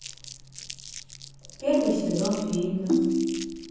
первый сезон фитнес